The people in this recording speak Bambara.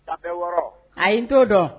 A fɛn wɔɔrɔ, ayi, n t'o dɔn.